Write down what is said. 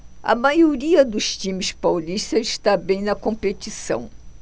a maioria dos times paulistas está bem na competição